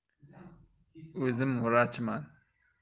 o'zim vrachman